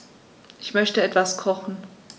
Ich möchte etwas kochen.